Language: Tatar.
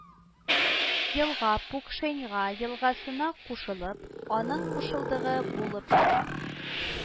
Елга Пукшеньга елгасына кушылып, аның кушылдыгы булып тора